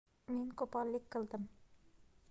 men qo'pollik qildim